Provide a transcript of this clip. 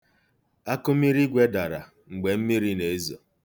Akụmirigwe dara mgbe mmiri na-ezo.